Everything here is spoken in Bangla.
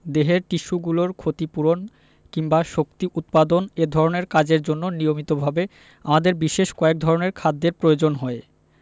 দেহের টিস্যুগুলোর ক্ষতি পূরণ কিংবা শক্তি উৎপাদন এ ধরনের কাজের জন্য নিয়মিতভাবে আমাদের বিশেষ কয়েক ধরনের খাদ্যের প্রয়োজন হয়